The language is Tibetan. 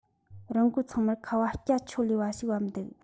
རི མགོ ཚང མར ཁ བ སྐྱ ཆོ ལེ བ ཞིག བབ འདུག